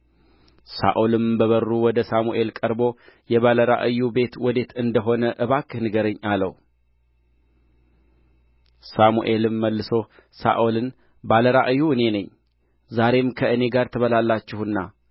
ሳኦልም በበሩ ወደ ሳሙኤል ቀርቦ የባለ ራእዩ ቤት ወዴት እንደ ሆነ እባክህ ንገረኝ አለው ሳሙኤልም መልሶ ሳኦልን ባለ ራእዩ እኔ ነኝ ዛሬም ከእኔ ጋር ትበላላችሁና